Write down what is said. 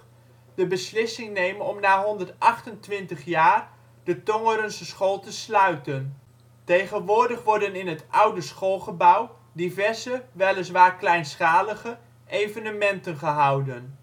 de beslissing nemen om na 128 jaar de Tongerense school te sluiten. Tegenwoordig worden in het oude schoolgebouw diverse (weliswaar kleinschalige) evenementen gehouden